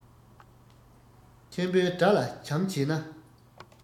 ཆེན པོས དགྲ ལ བྱམས བྱས ན